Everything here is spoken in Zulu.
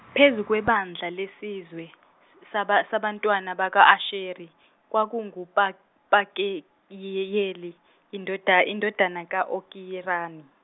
phezu kwebandla lesizwe, saba- sabantwana bakwa Asheri, kwakungu Pa- Pakeyeyeli, indoda- indodana ka Okirani.